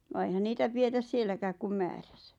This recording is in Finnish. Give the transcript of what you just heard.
vaan eihän niitä pidetä sielläkään kuin määränsä